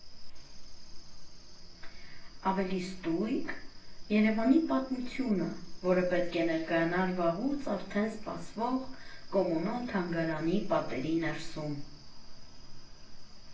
Ավելի ստույգ՝ Երևանի պատմությունը, որը պետք է ներկայանար վաղուց արդեն սպասվող՝ Կոմունալ թանգարանի պատերի ներսում։